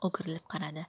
o'girilib qaradi